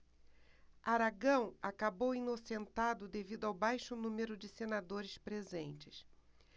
aragão acabou inocentado devido ao baixo número de senadores presentes